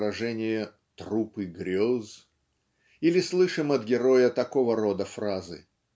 выражение "трупы грез" или слышим от героя такого рода фразы